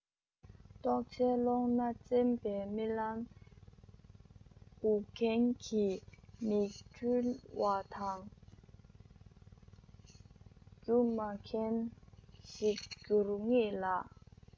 རྟོག འཆལ ཀློང ན རྩེན པའི རྨི ལམ འགུག མཁན གྱི མིག འཕྲུལ བ དང སྒྱུ མ མཁན ཞིག འགྱུར ངེས ལ